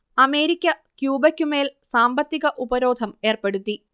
America ക്യൂബക്കുമേൽ സാമ്പത്തിക ഉപരോധം ഏർപ്പെടുത്തി